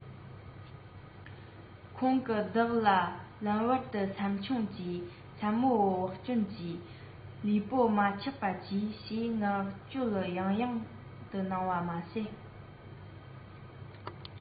ཁོང གིས བདག ལ ལམ བར དུ སེམས ཆུང གྱིས མཚན མོ བག ཟོན གྱིས ལུས པོ མ འཁྱག པ གྱིས ཞེས མངགས བཅོལ ཡང ནས ཡང དུ གནང བ མ ཟད